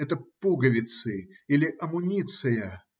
Это пуговицы или амуниция.